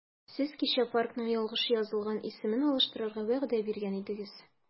Сез кичә паркның ялгыш язылган исемен алыштырырга вәгъдә биргән идегез.